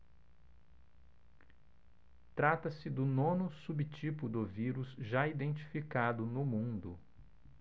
trata-se do nono subtipo do vírus já identificado no mundo